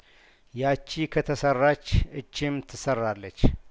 ያቺ ከተሰራች እቺም ትሰራለች